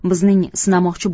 bizning sinamoqchi